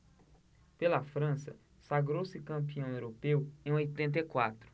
pela frança sagrou-se campeão europeu em oitenta e quatro